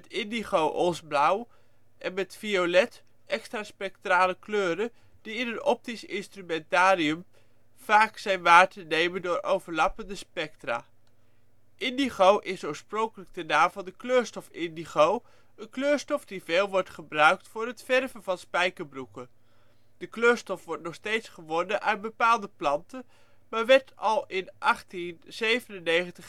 indigo " ons blauw en met " violet " extraspectrale kleuren die in een optisch instrumentarium vaak zijn waar te nemen door overlappende spectra. Indigo is oorspronkelijk de naam van de kleurstof indigo, een kleurstof die veel wordt gebruikt voor het verven van spijkerbroeken. De kleurstof wordt nog steeds gewonnen uit bepaalde planten, maar werd al in 1897 gesynthetiseerd